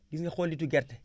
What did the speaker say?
gis nga xollitu gerte